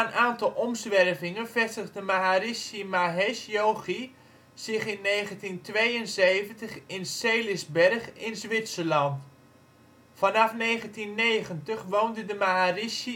aantal omzwervingen vestigde Maharishi Mahesh Yogi zich in 1972 in Seelisberg in Zwitserland. Vanaf 1990 woonde de Maharishi